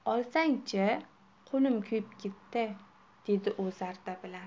olsang chi qo'lim kuyib ketdi dedi u zarda bilan